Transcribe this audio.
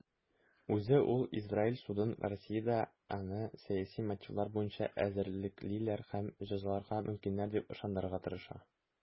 Үзе ул Израиль судын Россиядә аны сәяси мотивлар буенча эзәрлеклиләр һәм җәзаларга мөмкиннәр дип ышандырырга тырыша.